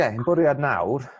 ie ein bwriad nawr